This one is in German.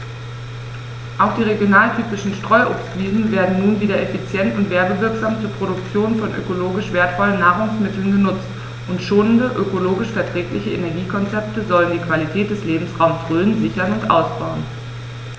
Auch die regionaltypischen Streuobstwiesen werden nun wieder effizient und werbewirksam zur Produktion von ökologisch wertvollen Nahrungsmitteln genutzt, und schonende, ökologisch verträgliche Energiekonzepte sollen die Qualität des Lebensraumes Rhön sichern und ausbauen.